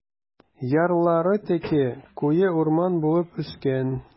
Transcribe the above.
Ярлары текә, куе урман булып үскән.